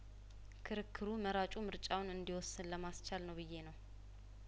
ክርክሩ መራጩ ምርጫውን እንዲወስን ለማስቻል ነው ብዬ ነው